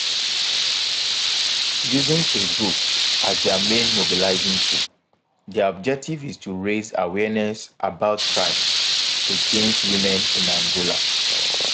Using Facebook as their main mobilizing tool, their objective is to raise awareness about crimes against women in Angola: